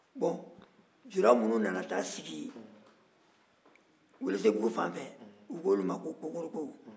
bɔn jula minnu nana taa sigi welesebugu fanfɛ u ko olu ma ko kokoroko